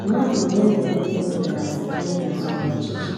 Mmadụ ole na ole bụ Transịjenda zọrọ ọchịchị